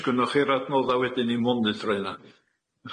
Sgynnoch chi'r adnodda wedyn i monitro hynna?